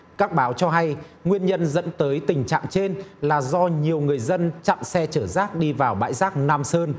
các báo cho hay nguyên nhân dẫn tới tình trạng trên là do nhiều người dân chặn xe chở rác đi vào bãi rác nam sơn